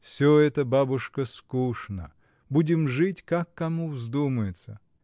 — Всё это, бабушка, скучно: будем жить, как кому вздумается.